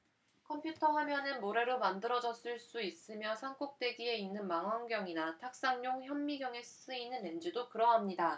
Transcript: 컴퓨터 화면은 모래로 만들어졌을 수 있으며 산꼭대기에 있는 망원경이나 탁상용 현미경에 쓰이는 렌즈도 그러합니다